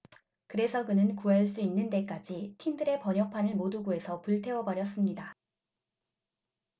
그래서 그는 구할 수 있는 데까지 틴들의 번역판을 모두 구해서 불태워 버렸습니다